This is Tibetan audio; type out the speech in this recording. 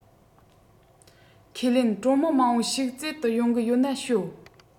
ཁས ལེན གྲོང མི མང པོ ཞིག རྩེད དུ ཡོང གི ཡོད ན ཤོད